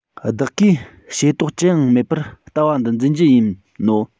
བདག གིས ཞེ དོགས ཅི ཡང མེད པར ལྟ བ འདི འཛིན རྒྱུ ཡིན ནོ